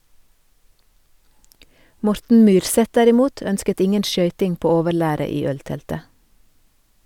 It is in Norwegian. Morten Myrseth derimot, ønsket ingen skøyting på overlæret i ølteltet.